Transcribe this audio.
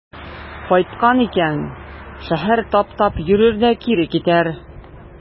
Кайткан икән, шәһәр таптап йөрер дә кире китәр.